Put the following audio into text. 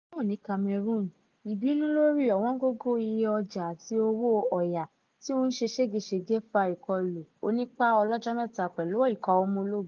Ní àsìkò kan náà ní Cameroon, ìbínú lórí ọ̀wọ́ngógó iye ọjà àti owó ọ̀yà tí ó ń ṣe ṣégeṣège fa ìkọlù onípá ọlọ́jọ́ mẹ́ta pẹ̀lú ikọ̀ ológun.